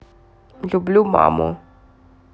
люблю маму